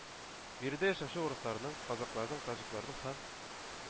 Биредә яшәүче урысларның, казакъларның, таҗикларның һәм